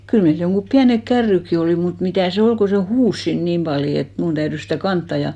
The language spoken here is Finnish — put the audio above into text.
kyllä meillä jotkin pienet kärrytkin oli mutta mitä se ole kun se huusi siinä niin paljon että minun täytyi sitä kantaa ja